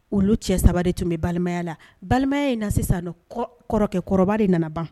Olu cɛ saba de tun bɛ balimaya la balimaya in na sisan kɔrɔkɛ kɔrɔ ba de nana ban